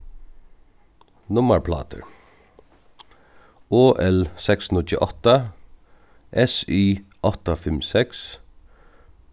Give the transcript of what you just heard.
nummarplátur o l seks níggju átta s i átta fimm seks